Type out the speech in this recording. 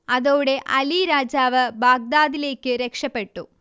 അതോടെ അലി രാജാവ് ബാഗ്ദാദിലേക്ക് രക്ഷപെട്ടു